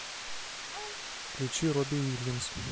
включи робби уильямс